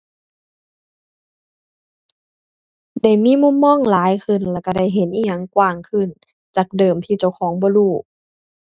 ได้มีมุมมองหลายขึ้น แล้วก็ได้เห็นอิหยังกว้างขึ้น จากเดิมที่เจ้าของบ่รู้